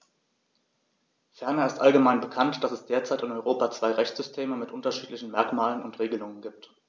Ferner ist allgemein bekannt, dass es derzeit in Europa zwei Rechtssysteme mit unterschiedlichen Merkmalen und Regelungen gibt.